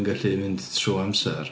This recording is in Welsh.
Gallu mynd trwy amser.